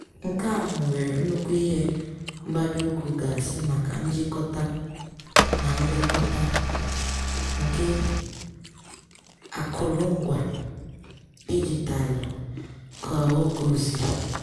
"Nke ahụ nwere nnukwu ihe mgbado ụkwụ gasị maka njịkọta na nlekọta nke akụrụngwa dijitalụ", ka o gosiri.